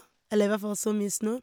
Eller i hvert fall så mye snø.